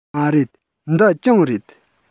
མ རེད འདི གྱང རེད